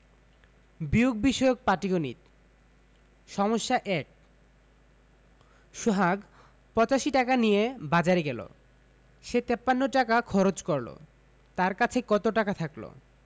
বিয়োগ বিষয়ক পাটিগনিতঃ সমস্যা ১ সোহাগ ৮৫ টাকা নিয়ে বাজারে গেল সে ৫৩ টাকা খরচ করল তার কাছে কত টাকা থাকল